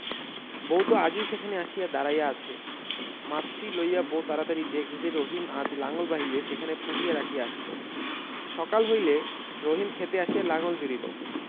বউ তো আগেই সেখানে আসিয়া দাঁড়াইয়া আছে মাছটি লইয়া বউ তাড়াতাড়ি যে ক্ষেতে রহিম আজ লাঙল বাহিবে সেখানে পুঁতিয়া রাখিয়া আসিল সকাল হইলে রহিম ক্ষেতে আসিয়া লাঙল জুড়িল